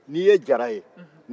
bi n'i ye jaara ye